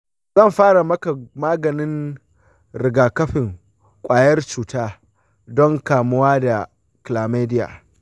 zan fara maka maganin rigakafin kwayar cuta don kamuwa da chlamydia.